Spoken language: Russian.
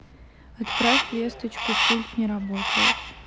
отправь весточку пульт не работает